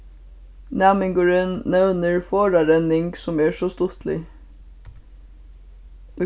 næmingurin nevnir forðarenning sum er so stuttlig